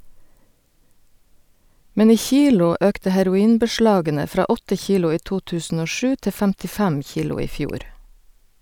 Men i kilo økte heroinbeslagene fra 8 kilo i 2007 til 55 kilo i fjor.